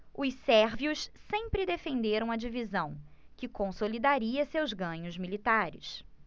os sérvios sempre defenderam a divisão que consolidaria seus ganhos militares